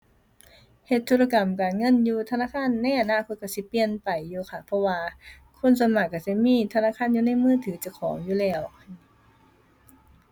เฮ็ดธุรกรรมการเงินอยู่ธนาคาร ในอนาคตก็สิเปลี่ยนไปอยู่ค่ะ เพราะว่า คนส่วนมากก็สิมีธนาคารอยู่ในมือถือเจ้าของอยู่แล้ว